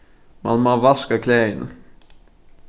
mann má vaska klæðini